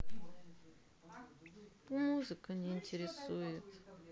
музыка не интересует